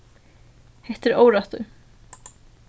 hetta er órættur